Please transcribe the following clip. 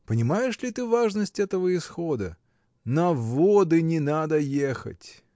Понимаешь ли ты важность этого исхода: на воды не надо ехать!